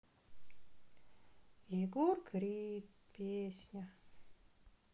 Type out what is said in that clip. егор крид песня